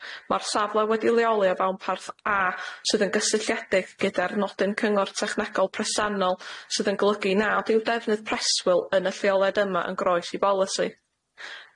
Ma'r safle wedi'i leoli o fawn parth A sydd yn gysylltiedig gyda'r nodyn cyngor technegol presennol sydd yn golygu nad yw defnydd preswyl yn y lleolied yma yn groes i bolisi.